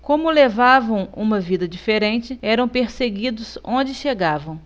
como levavam uma vida diferente eram perseguidos onde chegavam